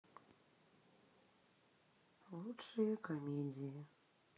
лучшие комедии